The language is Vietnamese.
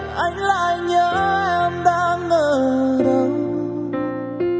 anh lại nhớ em đang ở đâu